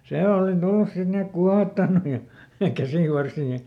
se oli tullut sitten niin että kuohottanut ja käsivarsia